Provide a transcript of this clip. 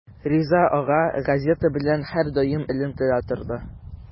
Риза ага газета белән һәрдаим элемтәдә торды.